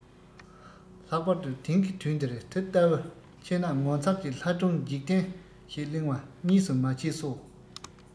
ལྷག པར དུ དེང གི དུས འདིར དེ ལྟ བུ འཆད ན ངོ མཚར གྱི ལྷ སྒྲུང འཇིག རྟེན ཞིག གླེང བ གཉིས སུ མ མཆིས སོ